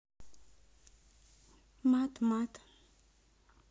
мат мат